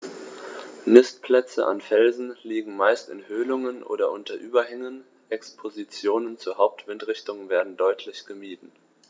Nistplätze an Felsen liegen meist in Höhlungen oder unter Überhängen, Expositionen zur Hauptwindrichtung werden deutlich gemieden.